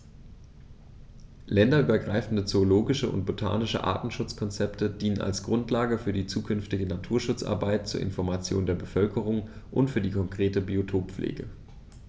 Länderübergreifende zoologische und botanische Artenschutzkonzepte dienen als Grundlage für die zukünftige Naturschutzarbeit, zur Information der Bevölkerung und für die konkrete Biotoppflege.